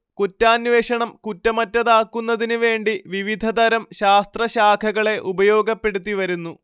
കുറ്റാന്വേഷണം കുറ്റമറ്റതാക്കുന്നതിന് വേണ്ടി വിവിധതരം ശാസ്ത്രശാഖകളെ ഉപയോഗപ്പെടുത്തിവരുന്നു